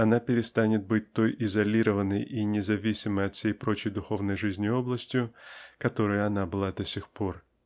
она перестанет быть той изолированной и независимой от всей прочей духовной жизни областью которою она была до сих пор.